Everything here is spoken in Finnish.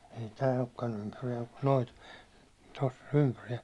ei tämä olekaan ympyriäinen mutta noita tuossa on ympyriäisiä